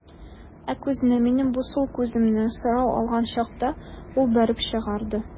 Ә күзне, минем бу сул күземне, сорау алган чакта ул бәреп чыгарды.